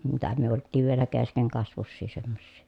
mitä me oltiin vielä keskenkasvuisia semmoisia